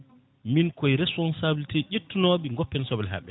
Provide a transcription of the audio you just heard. min koye responsabilité ƴettunoɓe goppen soble ha ɓenda